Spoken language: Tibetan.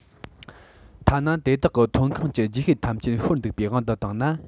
ཐ ན དེ དག གི ཐོན ཁུངས ཀྱི རྗེས ཤུལ ཐམས ཅད ཤོར འདུག པའི དབང དུ བཏང ན